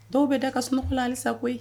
Dɔw bɛ da ka sunɔgɔ halisa koyi